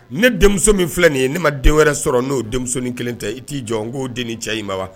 Ne denmuso min filɛ nin ye ne' ma den wɛrɛ sɔrɔ n'o denmuso ni kelen tɛ i t'i jɔ k'o den ni cɛ i wa